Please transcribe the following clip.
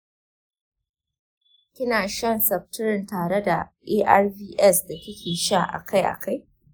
kina shan septrin tare da arvs da kike sha akai akai?